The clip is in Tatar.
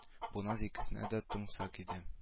Бу наз икесенә дә тансык иде